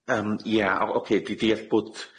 Yym ia o- ocê dwi deall bod